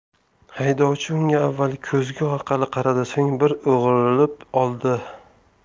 haydovchi unga avval ko'zgu orqali qaradi so'ng bir o'girilib oldi